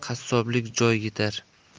qassoblik joy yitar